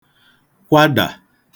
kwadà